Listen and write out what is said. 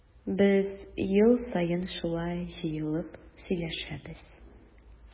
Без ел саен шулай җыелып сөйләшәбез.